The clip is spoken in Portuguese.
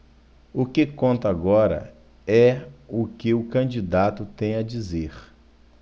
o que conta agora é o que o candidato tem a dizer